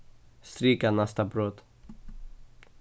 strika næsta brot